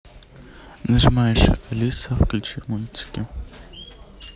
нажимаешь алиса включи мультики